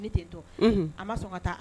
Tɛ to a ma sɔn ka taa